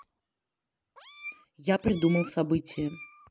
я придумал событие